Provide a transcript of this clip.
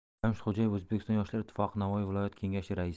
jamshid xo'jayev o'zbekiston yoshlar ittifoqi navoiy viloyati kengashi raisi